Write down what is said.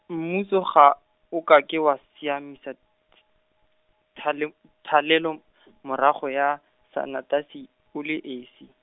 mmuso ga, o ka ke wa s- siamisa, th-, thale-, tshalelomorago ya, sanetasi, o le esi.